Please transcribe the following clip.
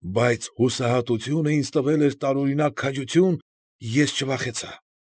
Բայց հուսահատությունը ինձ տվել էր տարօրինակ քաջություն, ես չվախեցա։